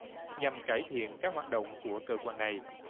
nhằm cải thiện các hoạt động của cơ quan này